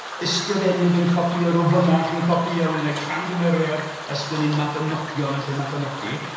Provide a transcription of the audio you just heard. ..ysgrifennydd yn copïo... rhyw fynach yn copïo... wedi gwneud camgymeriad a 'sgwennu 'Mabiniogion' yn lle 'Mabiniogi'.